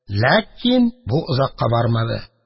Ләкин бу озакка бармады.